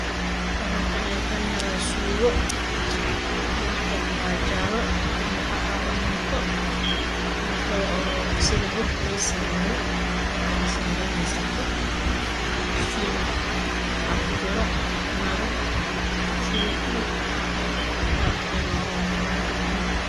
Waa kanaa Kane waa sugo kalarkedana waa jaalo intane waxa aalo muufo muufada oo sida burka laga sameyo wexena saaran yahay sak bat digsigane waxa ku juro maraq sida fuu l maraqena oo una qano